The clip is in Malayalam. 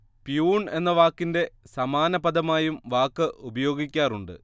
പിയൂൺ എന്ന വാക്കിന്റെ സമാന പദമായും വാക്ക് ഉപയോഗിക്കാറുണ്ട്